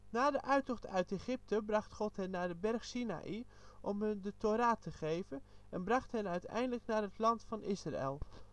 Na de Uittocht uit Egypte bracht God hen naar de berg Sinaï om hun de Thora te geven, en bracht hen uiteindelijk naar het Land van Israël